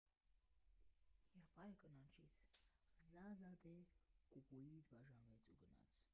Եղբայրը կնոջից՝ Ռզա Զադե Կուկուից բաժանվեց ու գնաց։